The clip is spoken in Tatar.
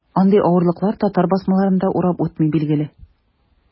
Андый авырлыклар татар басмаларын да урап үтми, билгеле.